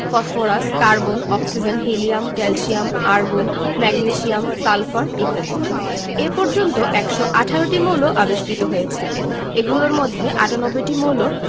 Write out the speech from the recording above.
phosphorus carbon oxygen helium calcium argon magnesium sulphur ইত্যাদি এ পর্যন্ত ১১৮টি মৌল আবিষ্কৃত হয়েছে এগুলোর মধ্যে ৯৮টি মৌল